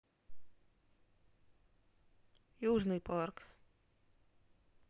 южный парк